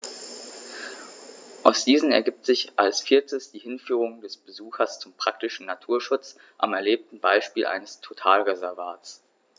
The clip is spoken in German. Aus diesen ergibt sich als viertes die Hinführung des Besuchers zum praktischen Naturschutz am erlebten Beispiel eines Totalreservats.